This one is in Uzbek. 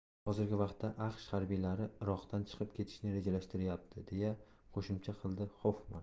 hozirgi vaqtda aqsh harbiylari iroqdan chiqib ketishni rejalashtirmayapti deya qo'shimcha qildi hoffman